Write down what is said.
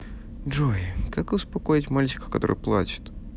джой как успокоить мальчика который плачет